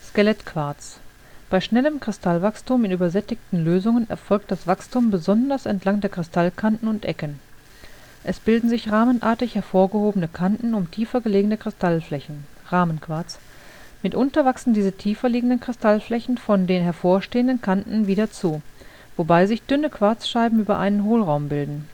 Skelettquarz: Bei schnellem Kristallwachstum in übersättigten Lösungen erfolgt das Wachstum besonders entlang der Kristallkanten und Ecken. Es bilden sich rahmenartig hervorgehobene Kanten um tiefer gelegene Kristallflächen (Rahmenquarz). Mitunter wachsen diese tiefer liegenden Kristallflächen von den hervorstehenden Kanten her wieder zu, wobei sich dünne Quarzscheiben über einem Hohlraum bilden